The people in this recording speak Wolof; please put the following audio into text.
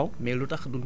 xam nañ ko